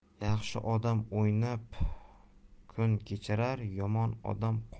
yaxshi odam o'ynab kuhb kecbirar